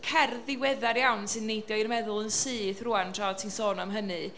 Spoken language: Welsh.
Cerdd ddiweddar iawn sy'n neidio i'r meddwl yn syth rŵan tra o't ti'n sôn am hynny.